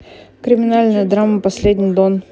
криминальная драма последний дон